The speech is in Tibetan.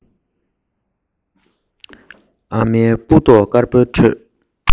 ཨ མའི སྤུ མདོག དཀར པོའི ཁྲོད